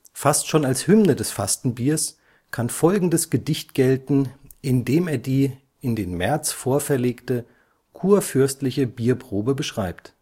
Fast schon als Hymne des Fastenbiers kann folgendes Gedicht gelten, in dem er die – in den März vorverlegte – kurfürstliche Bierprobe beschreibt